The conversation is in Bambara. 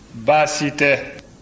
baasi tɛ